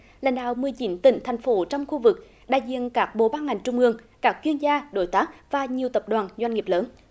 lãnh đạo mười chín tỉnh thành phố trong khu vực đại diện các bộ ban ngành trung ương các chuyên gia đối tác và nhiều tập đoàn doanh nghiệp lớn